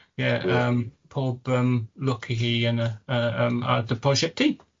Ie yym, pob yym lwc i chi yn y yym ar dy prosiect ti.